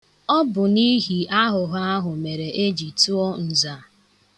Ọ bụ n'ihi aghụghọ ahụ mere eji tụo nza.